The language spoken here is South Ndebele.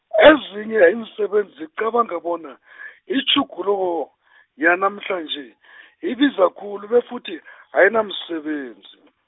ezinye iinsebenzi zicabanga bona , itjhuguluko yanamhlanje , ibiza khulu befuthi , ayinamsebenzi.